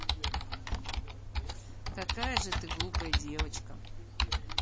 какая же ты глупая девочка